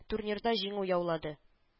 Турнирда җиңү яулады: